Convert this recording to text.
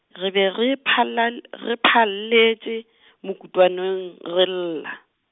re be re phalal-, re phalaletše, mokutwaneng, re lla.